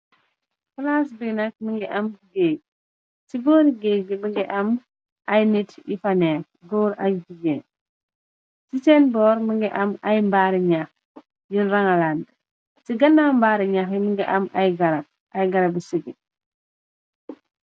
Palaac bi nak mu ngi am gèej ci bóori géegj bi më ngi am ay nit yu fané gór ak ay jigéen. ci seen borr më ngi am ay mbaari ñah yung rangalanteh. ci ganaw mbaari ñah yi mèngi am ay garab, ay garabi sibi.